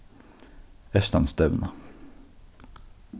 eystanstevna